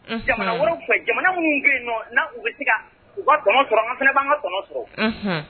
Jamanafɛ jamana minnu bɛ yen bɛ se u kamɔ sɔrɔ a fana b'an ka kɔnɔmɔ sɔrɔ